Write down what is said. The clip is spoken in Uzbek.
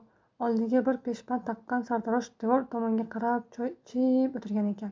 oldiga kir peshband taqqan sartarosh devor tomonga qarab choy ichib o'tirgan ekan